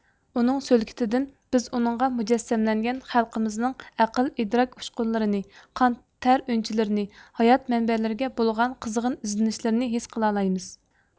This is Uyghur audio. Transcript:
ئۇنىڭ سۆلكىتىدىن بىز ئۇنىڭغا مۇجەسسەملەنگەن خەلقىمىزنىڭ ئەقىل ئىدراك ئۇچقۇنلىرىنى قان تەر ئۈنچىلىرىنى ھايات مەنىلىرىگە بولغان قىزغىن ئىزدىنىشلىرىنى ھېس قىلالايمىز